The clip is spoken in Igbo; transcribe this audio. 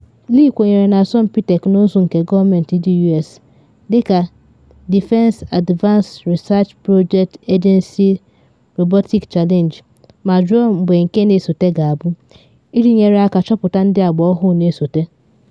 Lee kwenyere na asọmpi teknụzụ nke gọọmentị ndị U.S. dị ka Defense Advanced Research Projects Agency’s Robotics Challenge ma jụọ mgbe nke na esote ga-abụ, iji nyere aka chọpụta ndị agba ọhụụ na esote.